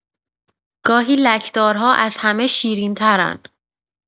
گاهی لک‌دارها از همه شیرین‌ترن.